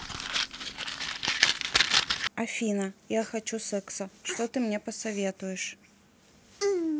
афина я хочу секса что ты мне посоветуешь